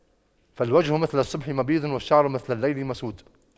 فالوجه مثل الصبح مبيض والشعر مثل الليل مسود